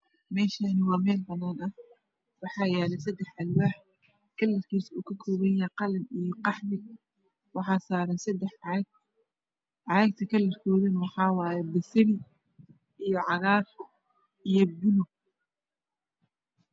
Meshan waa mel banan ah wax yalo sedax alwax kalar kisi waa qalin iyo qahwi waxaa saran sedax caag kalar kode waa baseli iyo cagar iyo baluug